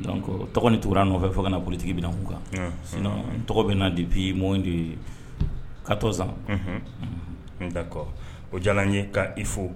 don tɔgɔ tunkarara nɔfɛ fo ka bolokotigi bɛ na k'u kan sin tɔgɔ bɛ na di bi mɔ de ka zan da o diyara ye ka i fo